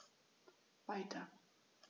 Weiter.